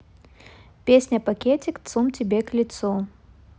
песня пакетик цум тебе к лицу